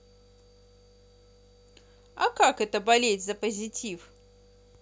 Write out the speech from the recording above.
а как это болеть за позитив